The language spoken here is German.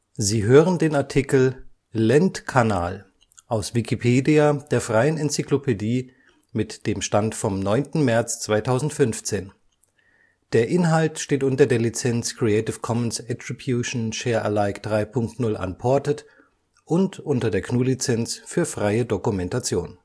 Sie hören den Artikel Lendkanal, aus Wikipedia, der freien Enzyklopädie. Mit dem Stand vom Der Inhalt steht unter der Lizenz Creative Commons Attribution Share Alike 3 Punkt 0 Unported und unter der GNU Lizenz für freie Dokumentation